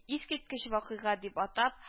Искиткеч вакыйга дип атап